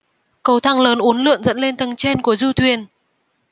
cầu thang lớn uốn lượn dẫn lên tầng trên của du thuyền